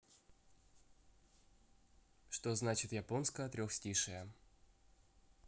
что значит японское трехстишие